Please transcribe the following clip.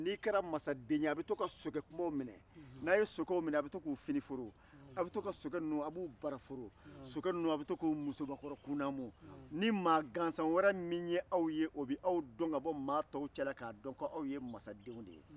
n' i kɛra mansaden ye a bɛ to ka sokɛw minɛ a bɛ to k'u kiniforo a bɛ to k'u baraforo sokɛ ninnu a bɛ to k'u kunamu nin maa gansan wɛrɛ min y'aw ye o bɛ aw dɔn k'aw bɔ maa tɔw cɛla k'a dɔn k'aw ye mansakɛ den ye